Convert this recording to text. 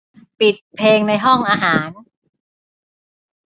ปิดเพลงในห้องอาหาร